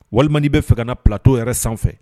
Walima bɛ fɛna pto yɛrɛ sanfɛ